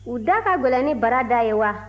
u da ka gɛlɛn ni bara da ye wa